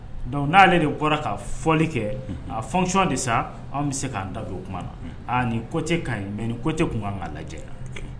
Dɔnku n'ale de bɔra ka fɔli kɛ a fɔcɔn de sa anw bɛ se k'an da o kuma na ka ɲi mɛ kotɛ kun ka lajɛ